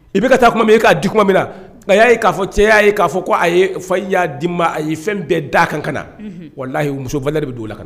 I bɛ ka taa kuma ma i k'a du min na a y'a ye k'a fɔ cɛ y'a ye k'a fɔ ko a ye fa y'a di ma a ye fɛn bɛɛ da kan ka na wala layi musolɛ de bɛ don o la ka na